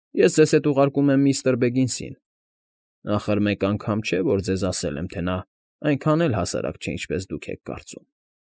Ես ձեզ հետ ուղարկում եմ միստր Բեգինսին, ախր մեկ անգամ չէ, որ ձեզ ասել եմ, թե նա այնքան էլ հասարակ չէ, ինչպես դուք եք կարծում։